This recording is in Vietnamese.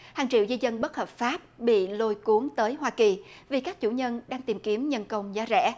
hàng triệu di dân bất hợp pháp bị lôi cuốn tới hoa kỳ về các chủ nhân đang tìm kiếm nhân công giá rẻ